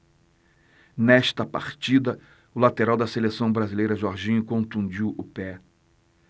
nesta partida o lateral da seleção brasileira jorginho contundiu o pé